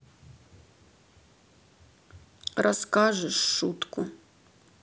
расскажешь шутку